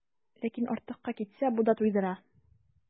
Ләкин артыкка китсә, бу да туйдыра.